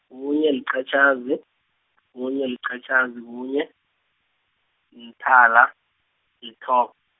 kunye, liqatjhazi, kunye liqatjhazi, kunye, mthala, lithob-.